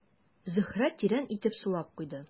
Зөһрә тирән итеп сулап куйды.